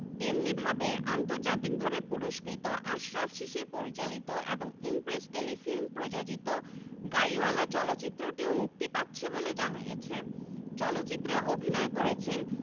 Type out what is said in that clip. তেমনিভাবে আন্তর্জাতিকভাবে পুরস্কৃত আশরাফ শিশির পরিচালিত এবং ইমপ্রেস টেলিফিল্ম প্রযোজিত গাড়িওয়ালা চলচ্চিত্রটিও মুক্তি পাচ্ছে বলে জানা গেছে চলচ্চিত্রে অভিনয় করেছেন